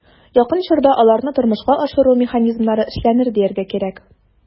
Якын чорда аларны тормышка ашыру механизмнары эшләнер, дияргә кирәк.